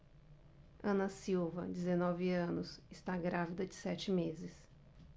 ana silva dezenove anos está grávida de sete meses